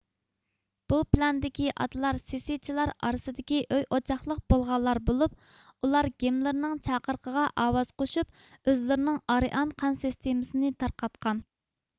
بۇ پىلاندىكى ئاتىلار سىسىچىلار ئارىسىدىكى ئۆي ئوچاقلىق بولغانلار بولۇپ ئۇلار گېملېرنىڭ چاقىرىقىغا ئاۋاز قوشۇپ ئۆزلىرىنىڭ ئارىئان قان سىستېمىسىنى تارقاتقان